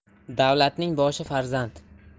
davlatning boshi farzand